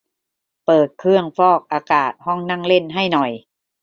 เปิดเครื่องฟอกอากาศห้องนั่งเล่นให้หน่อย